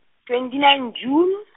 twenty nine June.